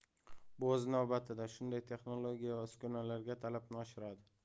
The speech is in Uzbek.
bu o'z navbatida shunday texnologiya va uskunalarga talabni oshiradi